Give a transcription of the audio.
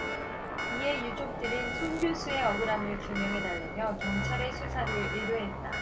이에 유족들은 손 교수의 억울함을 규명해 달라며 경찰에 수사를 의뢰했다